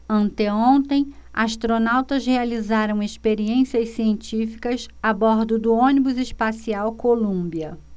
anteontem astronautas realizaram experiências científicas a bordo do ônibus espacial columbia